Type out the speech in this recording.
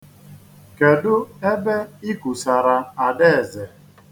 Kedu ebe i kusara Adeeze?